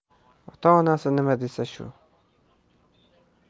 ota onasi nima desa shu